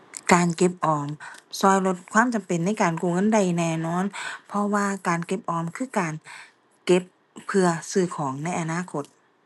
การเก็บออมช่วยลดความจำเป็นในการกู้เงินได้แน่นอน เพราะว่าการเก็บออมคือการเก็บเพื่อซื้อของในอนาคต